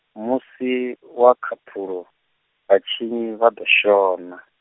musi wa khaṱhulo, vhatshinyi vha ḓo shona.